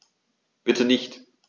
Bitte nicht.